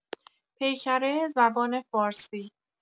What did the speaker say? پیکره زبان فارسی